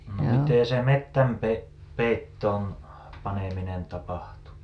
no miten se - metsänpeittoon paneminen tapahtui